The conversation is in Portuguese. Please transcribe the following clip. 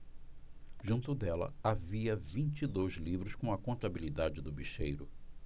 junto dela havia vinte e dois livros com a contabilidade do bicheiro